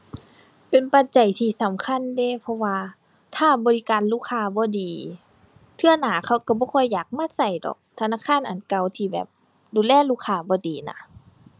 เป็นปัจจัยที่สำคัญเดะ เพราะว่าถ้าบริการลูกค้าบ่ดี เทื่อหน้าเขาก็บ่ค่อยอยากมาก็ดอก ธนาคารอันเก่าที่แบบ ดูแลลูกค้าบ่ดีน่ะ